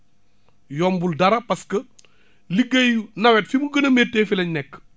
yombul dara parce que liggéey nawet fi mu gën a méttee lañ nekk